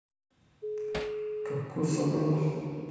какое забыл